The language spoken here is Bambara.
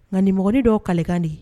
Nka ninmɔgɔin dɔ kalikan de